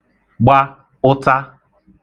gba ụta